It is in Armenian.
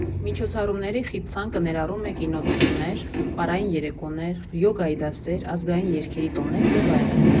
Միջոցառումների խիտ ցանկը ներառում է կինոդիտումներ, պարային երեկոներ, յոգայի դասեր, ազգային երգերի տոներ և այլն։